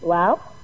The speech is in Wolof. waaw